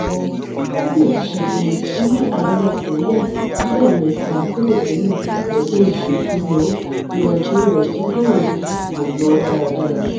Pompeo ti ṣàbẹ̀wò sí Àríwá Kòríà lẹ́ẹ̀mẹta tẹ́lẹ̀tẹ́lẹ̀ lọ́dún yìí, ṣùgbọ́n ìrìn-àjò rẹ̵̵̀ tógbẹ̀yìn kò lọ dáradára.